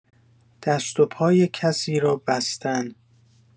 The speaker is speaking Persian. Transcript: دست و پای کسی را بستن